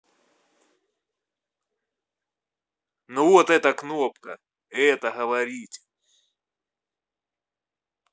ну вот это кнопка это говорите